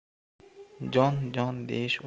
jon jon deyish